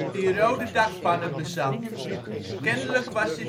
die rode dakpannen bezat. Kennelijk was